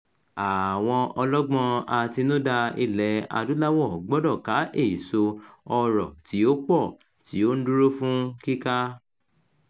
Àwọn ọlọ́gbọ́n àtinudá Ilẹ̀-Adúláwọ̀ gbọdọ̀ 'ká èso ọrọ̀ tí ó pọ̀ tí ó ń dúró fún kíká'